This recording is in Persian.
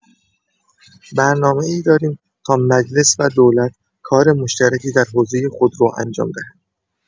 برنامه‌ای داریم تا مجلس و دولت کار مشترکی در حوزه خودرو انجام دهند.